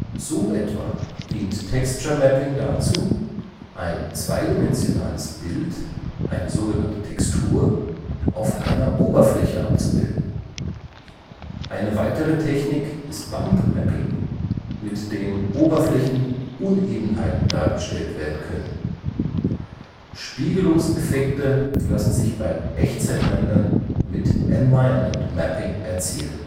So etwa dient Texture Mapping dazu, ein zweidimensionales Bild (Textur) auf einer Oberfläche abzubilden. Eine weitere Technik ist Bumpmapping, mit dem Oberflächenunebenheiten dargestellt werden können. Spiegelungseffekte lassen sich beim Echtzeitrendern mit Environment Mapping erzielen